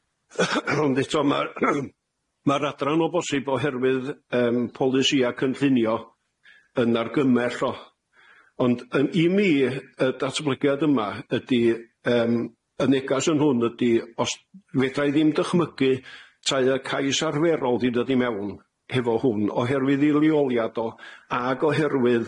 Ond eto ma' ma'r adran o bosib oherwydd yym polisia cynllunio yn argymell o. Ond yym i mi y datblygiad yma ydi yym, y negas yn hwn ydi, os fedrai ddim dychmygu tai y cais arferol 'di dod i mewn hefo hwn oherwydd 'i leoliad o,